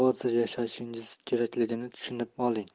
hozir yashashingiz kerakligini tushunib oling